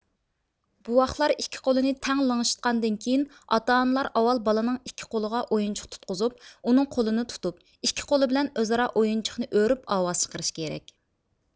بوۋاقلار ئىككى قۇلىنى تەڭ لىڭشىتقاندىن كېيىن ئاتا ئانىلار ئاۋۋال بالىنىڭ ئىككى قولىغا ئويۇنچۇق تۇتقۇزۇپ ئۇنىڭ قولىنى تۇتۇپ ئىككى قولى بىلەن ئۆزئارا ئويۇنچۇقنى ئۆرۈپ ئاۋاز چىقىرىش كېرەك